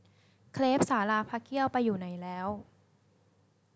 เครปศาลาพระเกี้ยวไปอยู่ไหนแล้ว